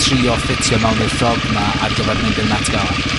trio ffitio mewn i'r ffrog 'ma ar gyfar mynd i'r Met gala.